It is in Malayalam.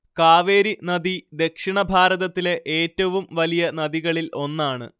കാവേരി നദി ദക്ഷിണ ഭാരതത്തിലെ എറ്റവും വലിയ നദികളിൽ ഒന്നാണ്